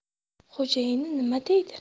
xo'jayini nima deydi